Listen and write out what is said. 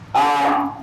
A